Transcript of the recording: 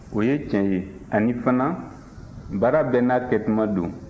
o ye tiɲɛ ye ani fana baara bɛɛ n'a kɛtuma don